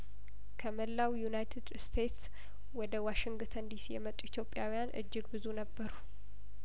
ከመላው ዩናይትድ ስቴትስ ወደ ዋሽንግተን ዲሲ የመጡ ኢትዮጵያውያን እጅግ ብዙ ነበሩ